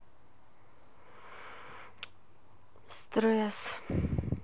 стресс